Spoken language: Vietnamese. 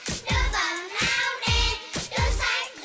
lá